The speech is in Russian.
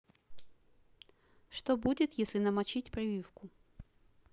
что будет если намочить прививку